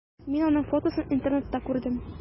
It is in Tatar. Мин аның фотосын интернетта күрдем.